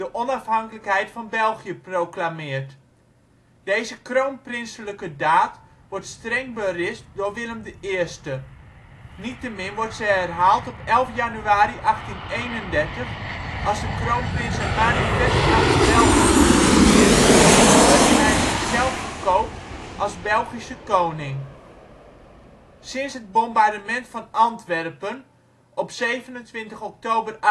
onafhankelijkheid van België proclameert. Deze kroonprinselijke daad wordt streng berispt door Willem I. Niettemin wordt ze herhaald op 11 januari 1831, als de kroonprins een Manifest aan de Belgen publiceert, waarin hij zichzelf verkoopt als Belgische koning. Sinds het bombardement van Antwerpen op 27 oktober